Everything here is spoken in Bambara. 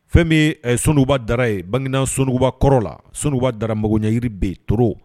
Fɛn min ye ɛ Sonduguba Dara ye Bagineda unwba Sonduguba Kɔrɔ la, Sonduguba Dara magoɲɛ jiri bɛ yen, toro